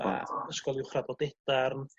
a Ysgol Uwchradd Bodedarn